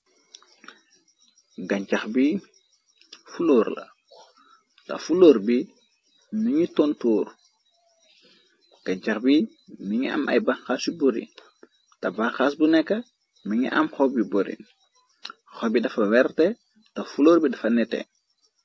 Gancax bi fuloorla, te fuloor bi miñu tontoor, gancax bi mi ngi am ay banxaas yu buri, te banxaas bu nekka, mi ngi am xob yi buri, xo bi dafa werte, te fuloor bi dafa nete.